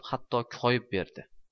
hatto koyib berdi